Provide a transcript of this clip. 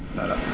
voilà